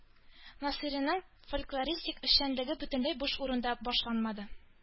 Насыйриның фольклористик эшчәнлеге бөтенләй буш урында башланмады